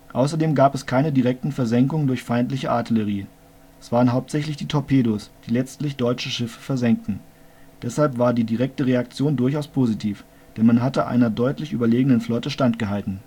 Außerdem gab es keine direkten Versenkungen durch feindliche Artillerie; es waren hauptsächlich die Torpedos, die letztlich deutsche Schiffe versenkten. Deshalb war die direkte Reaktion durchaus positiv, denn man hatte einer deutlich überlegenen Flotte standgehalten